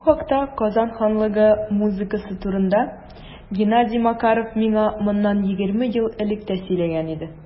Бу хакта - Казан ханлыгы музыкасы турында - Геннадий Макаров миңа моннан 20 ел элек тә сөйләгән иде.